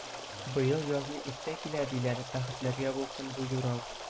Быел язны иртә килә, диләр, бәхетләргә булсын бу юрау!